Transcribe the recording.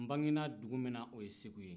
n bange na dugu min na o ye segu ye